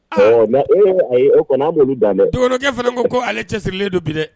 Ɔ e ayi o donkɛ fana ko ko ale cɛ sigilenlen don bi dɛ